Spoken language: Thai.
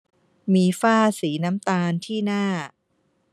มีฝ้าสีน้ำตาลที่หน้า